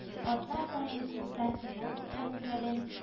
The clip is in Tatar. Атна саен клубта кино күрсәтүләрен